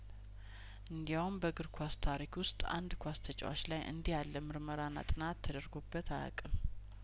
እንዲያውም በእግር ኳስ ታሪክ ውስጥ አንድ ኳስ ተጫዋች ላይ እንዲህ ያለ ምርመራና ጥናት ተደርጐበት አያቅም